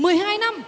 mười hai năm